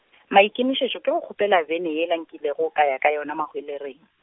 maikemišetšo ke go kgopela bene yela nkilego ka ya ka yona Mahwelereng.